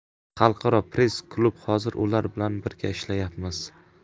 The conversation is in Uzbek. xalqaro press klubhozir ular bilan birga ishlayapmiz